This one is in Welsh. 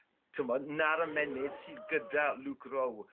t'mod 'na'r ymennydd sydd gyda Luke Rowe